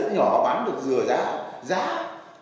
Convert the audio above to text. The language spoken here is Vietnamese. nhỏ bán được rửa giá giá